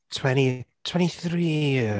Twenty... twenty three?